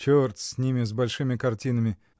— Черт с ними, с большими картинами!